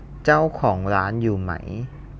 เจ้าของร้านอยู่ไหม